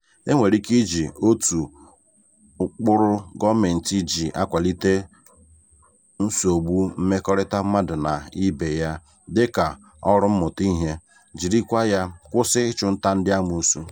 E nwere ike iji otu ụkpụrụ gọọmentị ji akwalite nsogbu mmekọrịta mmadụ na ibe ya dịka ọrụ mmụta ihe jiri kwa ya kwụsị ịchụnta ndị amoosu.